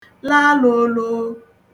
laalōōlōō